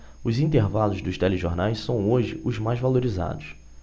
os intervalos dos telejornais são hoje os mais valorizados